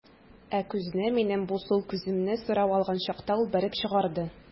Ә күзне, минем бу сул күземне, сорау алган чакта ул бәреп чыгарды.